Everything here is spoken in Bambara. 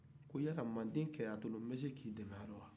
ko yala mande cɛyatulon n bɛ se k'e dɛmɛ a la